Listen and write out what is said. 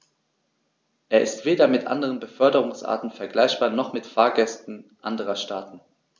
Er ist weder mit anderen Beförderungsarten vergleichbar, noch mit Fahrgästen anderer Staaten.